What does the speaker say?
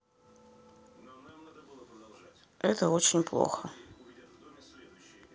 это очень плохо